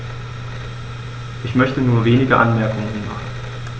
Ich möchte nur wenige Anmerkungen machen.